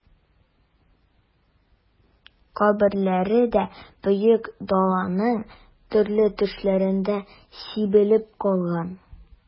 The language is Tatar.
Каберләре дә Бөек Даланың төрле төшләрендә сибелеп калган...